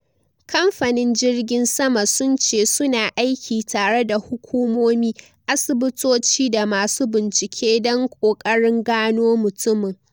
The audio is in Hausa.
Kamfanin jirgin sama sun ce su na aiki tare da hukumomi, asibitoci da masu bincike don kokarin gano mutumin.